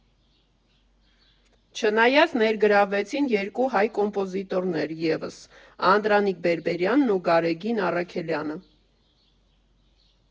Չնայած ներգրավվեցին երկու հայ կոմպոզիտորներ ևս՝ Անդրանիկ Բերբերյանն ու Գարեգին Առաքելյանը։